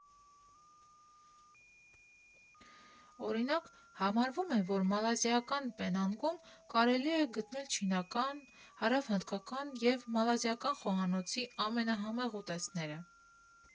Օրինակ, համարվում է, որ մալազիական Պենանգում կարելի է գտնել չինական, հարավհնդկական և մալազիական խոհանոցի ամենահամեղ ուտեստները։